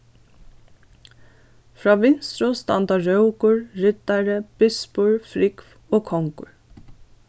frá vinstru standa rókur riddari bispur frúgv og kongur